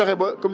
waaw waaw